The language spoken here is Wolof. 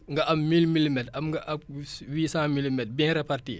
nga am mille milimètres am nga ab huit cent milimètres bien répartis